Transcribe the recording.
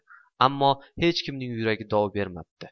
ammo hech kimning yuragi dov bermabdi